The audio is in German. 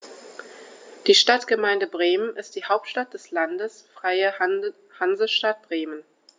Die Stadtgemeinde Bremen ist die Hauptstadt des Landes Freie Hansestadt Bremen.